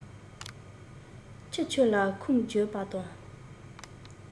ཁྱི ཁྱོད ལ ཁུངས བརྒྱུད པ དང